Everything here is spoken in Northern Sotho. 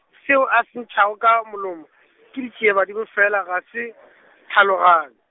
seo a se ntšhago ka molomo, ke ditšiebadimo fela ga se, tlhaloganyo.